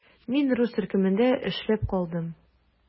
Мин рус төркемендә эшләп калдым.